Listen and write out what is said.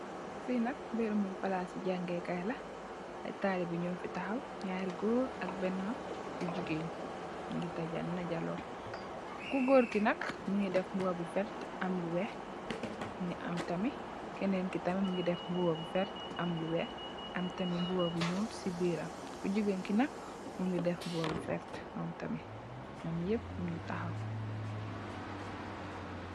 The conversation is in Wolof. Fee nak meremu plase jagekay la aye talibeh nufe tahaw nyari goor ak bena ku jegain nuge taj najalu ku goor ke nak muge def muba bu werte am lu weex muge am tamin kenenke muge def muba bu verte am lu weex am tamin muba bu nuul se biram ku jegain ke nak muge def muba bu verte mum tamin num nyep nuge tahaw.